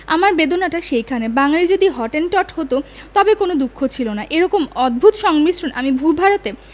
আমার বেদনাটা সেইখানে বাঙালী যদি হটেনটট হত তবে কোন দুঃখ ছিল না এরকম অদ্ভুত সংমিশ্রণ আমি ভূ ভারতে